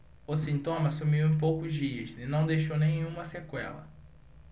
o sintoma sumiu em poucos dias e não deixou nenhuma sequela